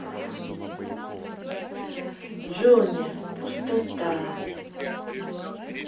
jony пустота